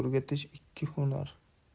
o'rgatish ikki hunar